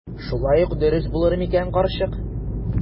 Шулай ук дөрес булыр микән, карчык?